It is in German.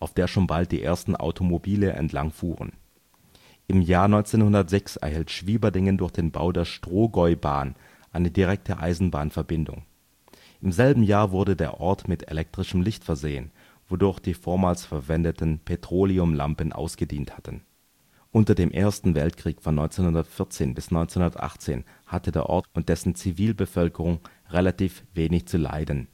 der schon bald die ersten Automobile entlangfuhren. Im Jahr 1906 erhielt Schwieberdingen durch den Bau der Strohgäubahn eine direkte Eisenbahnverbindung. Im selben Jahr wurde der Ort mit elektrischem Licht versehen, wodurch die vormals verwendeten Petroleumlampen ausgedient hatten. Unter dem Ersten Weltkrieg von 1914 - 1918 hatte der Ort und dessen Zivilbevölkerung relativ wenig zu leiden